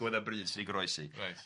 ...gywyddau bryd sy'n ei goroesi... Reit.